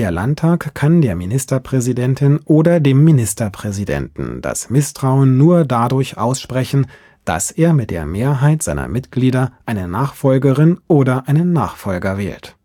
Landtag kann der Ministerpräsidentin oder dem Ministerpräsidenten das Misstrauen nur dadurch aussprechen, dass er mit der Mehrheit seiner Mitglieder eine Nachfolgerin oder einen Nachfolger wählt